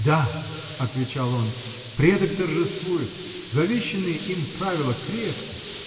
— Да, — отвечал он, — предок торжествует. Завещанные им правила крепки.